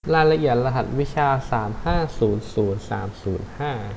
รายละเอียดรหัสวิชาสามห้าศูนย์ศูนย์สามศูนย์ห้า